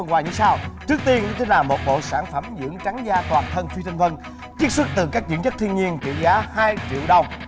phần quà như sau trước tiên sẽ là một bộ sản phẩm dưỡng trắng da toàn thân phi thanh vân chiết xuất từ các dưỡng chất thiên nhiên trị giá hai triệu đồng